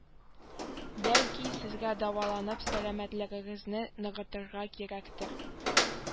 Бәлки сезгә дәваланып сәламәтлегегезне ныгытырга кирәктер